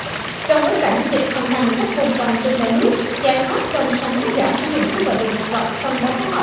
trong bối cảnh dịch hoành hành các vùng trồng trên cả nước giải pháp trồng sắn giảm sử dụng thuốc bảo vệ thực vật phân bón hóa học